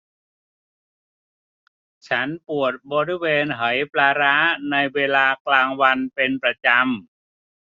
ฉันปวดบริเวณไหปลาร้าในเวลากลางวันเป็นประจำ